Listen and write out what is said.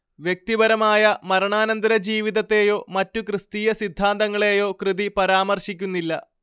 വ്യക്തിപരമായ മരണാനന്തരജീവിതത്തേയോ മറ്റു ക്രിസ്തീയ സിദ്ധാന്തങ്ങളേയോ കൃതി പരാമർശിക്കുന്നില്ല